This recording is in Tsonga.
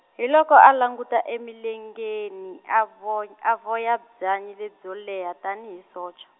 hi loko a languta emilengeni a voy-, a vhoya byanyi lebyo leha tanihi socha.